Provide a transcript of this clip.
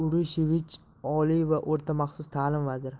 va o'rta maxsus ta'lim vaziri